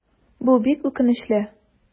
Бу бик үкенечле.